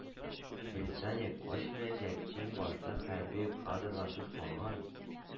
Британия качмаячак, иң башта хәрби кадрларсыз калган,